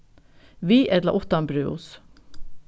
við ella uttan brús